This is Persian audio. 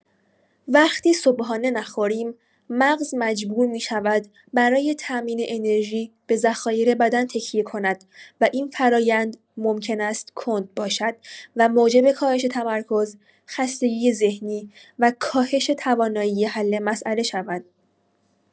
وقتی صبحانه نخوریم، مغز مجبور می‌شود برای تأمین انرژی به ذخایر بدن تکیه کند و این فرایند ممکن است کند باشد و موجب کاهش تمرکز، خستگی ذهنی و کاهش توانایی حل مسئله شود.